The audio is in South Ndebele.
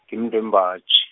ngi wembaji.